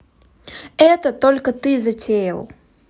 это только ты затеял